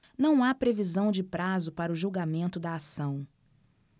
não há previsão de prazo para o julgamento da ação